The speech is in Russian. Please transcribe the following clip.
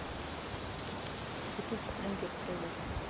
ютуб стрингер треллер